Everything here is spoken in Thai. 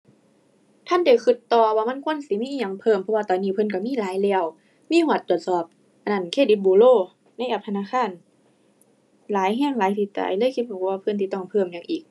ทันได้คิดต่อว่ามันควรสิมีอิหยังเพิ่ม เพราะว่าตอนนี้เพิ่นคิดมีหลายแล้ว มีฮอดตรวจสอบอันนั้น เครดิตบูโรในแอปธนาคาร หลายคิด หลายสิตาย เลยคิดบ่ออกว่าเพิ่นสิต้องเพิ่มหยังอีก